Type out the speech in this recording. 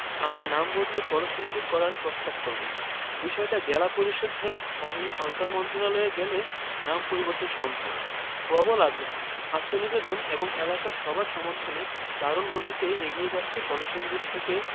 আমরা নাম বদলে কলসিন্দুর করার প্রস্তাব করব বিষয়টা জেলা পরিষদ হয়ে স্থানীয় সরকার মন্ত্রণালয়ে গেলে নাম পরিবর্তন সম্ভব প্রবল আগ্রহ আত্মনিবেদন এবং এলাকার সবার সমর্থনে দারুণ গতিতে এগিয়ে যাচ্ছে কলসিন্দুর থেকে